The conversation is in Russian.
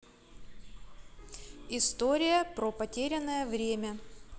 история про потерянное время